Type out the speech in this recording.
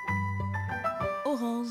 San